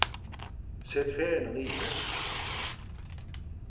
set ferðina niður